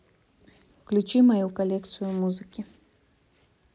включи мою коллекцию музыки